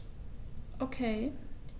Okay.